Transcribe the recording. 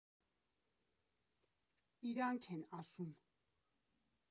Իրա՜նք են ասում։